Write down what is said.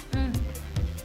Un